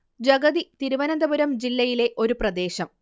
ജഗതി തിരുവനന്തപുരം ജില്ലയിലെ ഒരു പ്രദേശം